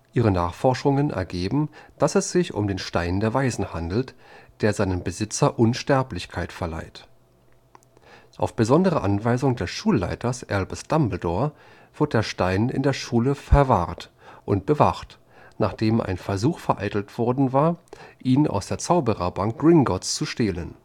Ihre Nachforschungen ergeben, dass es sich um den Stein der Weisen handelt, der seinem Besitzer Unsterblichkeit verleiht. Auf besondere Anweisung des Schulleiters Albus Dumbledore wird der Stein in der Schule verwahrt und bewacht, nachdem ein Versuch vereitelt worden war, ihn aus der Zaubererbank Gringotts zu stehlen